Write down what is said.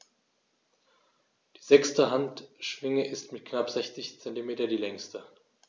Die sechste Handschwinge ist mit knapp 60 cm die längste.